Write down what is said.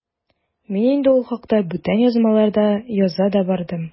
Мин инде ул хакта бүтән язмаларда яза да бардым.